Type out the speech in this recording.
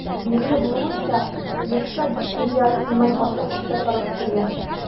Билгеле булуынча, төзелешкә 4 миллиард сумнан артык акча сарыф ителгән.